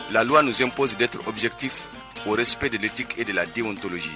Laluwa zsɛn ppsi dete obisɛti oresp deti e de ladenw tosi